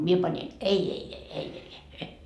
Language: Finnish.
minä panin ei ei ei ei ei ei e